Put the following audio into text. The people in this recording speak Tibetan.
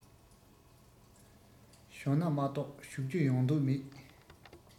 བྱོན ན མ གཏོགས བཞུགས རྒྱུ ཡོང གཏོགས མེད